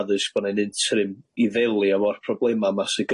addysg bo 'na un interim i ddelio efo'r problema' 'ma sy